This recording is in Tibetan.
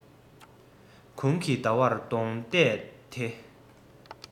དགུང གི ཟླ བར གདོང གཏད དེ